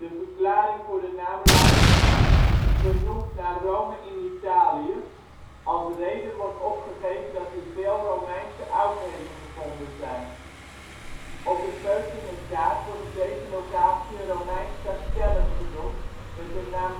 verklaring voor de naam luidt: " vernoemd naar Rome in Italië. Als reden wordt opgegeven dat hier veel romeinse oudheden gevonden zijn ". Op de Peutinger kaart wordt op deze locatie een Romeins castellum genoemd met de naam